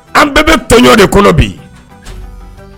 An bɛɛ bɛ tɔɲɔn de kɔnɔ bi